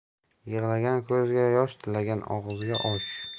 yig'lagan ko'zga yosh tilagan og'izga osh